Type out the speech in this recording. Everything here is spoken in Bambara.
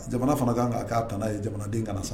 Jamana fana kan k'a ta' ye jamanaden kana san